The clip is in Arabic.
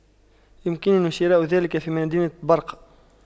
يمكنني شراء ذلك في مدينة برقة